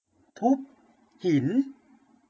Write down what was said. ทุบหิน